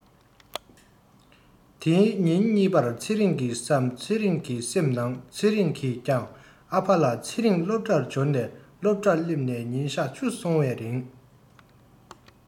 དེའི ཉིན གཉིས པར ཚེ རིང བསམ ཚེ རང གི སེམས ནང ཚེ རིང གིས ཀྱང ཨ ཕ ལ ཚེ རིང སློབ གྲྭར འབྱོར ནས སློབ གྲྭར སླེབས ནས ཉིན གཞག བཅུ སོང བའི རིང